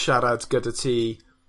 siarad gyda ti